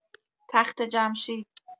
تخت‌جمشید